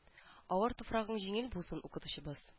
Авыр туфрагың җиңел булсын укытучыбыз